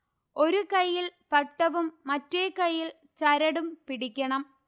ഒരു കൈയ്യിൽ പട്ടവും മറ്റേ കൈയിൽ ചരടും പിടിക്കണം